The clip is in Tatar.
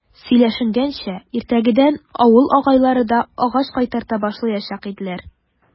Сөйләшенгәнчә, иртәгәдән авыл агайлары да агач кайтарта башлаячак иделәр.